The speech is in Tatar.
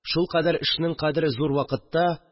Шулкадәр эшнең кадере зур вакытта